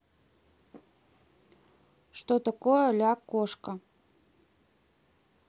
что такое ля кошка